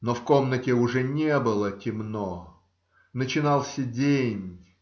Но в комнате уже не было темно: начинался день.